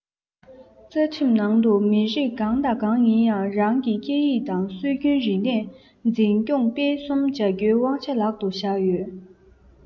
རྩ ཁྲིམས ནང དུ མི རིགས གང དང གང ཡིན ཡང རང གི སྐད ཡིག དང སྲོལ རྒྱུན རིག གནས འཛིན སྐྱོང སྤེལ གསུམ བྱ རྒྱུའི དབང ཆ ལག ཏུ བཞག ཡོད